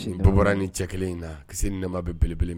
Bɔ bɔra ni cɛ kelen in na kisi nama bɛeleb ma